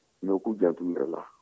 mais u k'u janto u yɛrɛ la